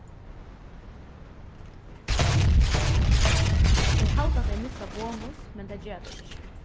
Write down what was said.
og tey halda at tey missa bonus men tað gera tey ikki